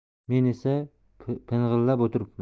men esa ping'illab o'tiribman